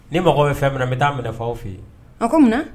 Ni mago bɛ fɛn minɛ na n bɛ taaa minɛw fɛ' yen a ko munna